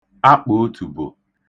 akpòotùbò